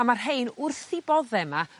a ma'r rhein wrth 'u bodde 'ma